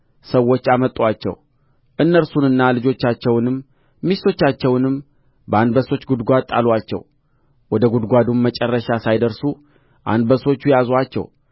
ሰዎች አመጡአቸው እነርሱንና ልጆቻቸውንም ሚስቶቻቸውንም በአንበሶች ጕድጓድ ጣሉአቸው ወደ ጕድጓዱም መጨረሻ ሳይደርሱ አንበሶች ያዙአቸው